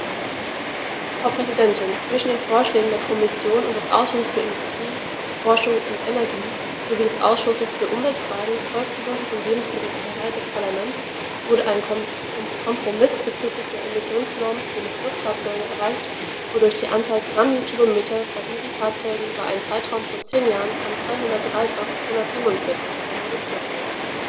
Frau Präsidentin, zwischen den Vorschlägen der Kommission und des Ausschusses für Industrie, Forschung und Energie sowie des Ausschusses für Umweltfragen, Volksgesundheit und Lebensmittelsicherheit des Parlaments wurde ein Kompromiss bezüglich der Emissionsnormen für Nutzfahrzeuge erreicht, wodurch die Anzahl Gramm je Kilometer bei diesen Fahrzeugen über einen Zeitraum von zehn Jahren von 203 g auf 147 g reduziert wird.